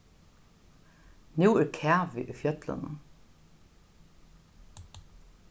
nú er kavi í fjøllunum